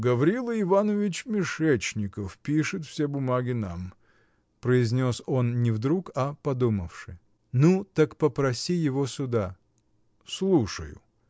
— Гаврила Иванович Мешечников пишет все бумаги нам, — произнес он не вдруг, а подумавши. — Ну, так попроси его сюда! — Слушаю!